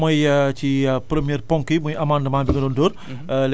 donc loolu mooy ci première ponk yi muy amandement bi nga doon dóor